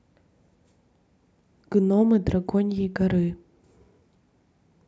гномы драконьей горы